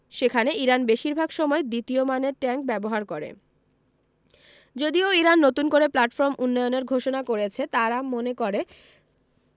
সেখানে ইরান বেশির ভাগ সময় দ্বিতীয় মানের ট্যাংক ব্যবহার করে যদিও ইরান নতুন করে প্ল্যাটফর্ম উন্নয়নের ঘোষণা করেছে তারা মনে করে